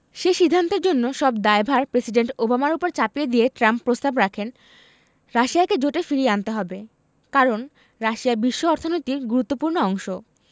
সে সিদ্ধান্তের জন্য সব দায়ভার প্রেসিডেন্ট ওবামার ওপর চাপিয়ে দিয়ে ট্রাম্প প্রস্তাব রাখেন রাশিয়াকে জোটে ফিরিয়ে আনতে হবে কারণ রাশিয়া বিশ্ব অর্থনীতির গুরুত্বপূর্ণ অংশ